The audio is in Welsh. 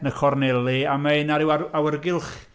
Yn y corneli, a mae 'na ryw ar- awyrgylch...